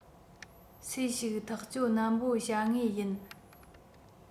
སུས ཞིག ཐག གཅོད ནན པོ བྱ ངོས ཡིན